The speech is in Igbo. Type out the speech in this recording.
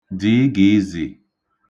dìigị̀ịzị̀